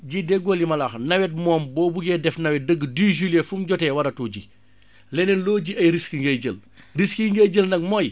ji déggoo li ma la wax nawet moom boo buggee def nawet dëgg dix juillet fu mu jotee waratoo ji leneen loo ji ay risques ngay jël risques yi ngay jël nag mooy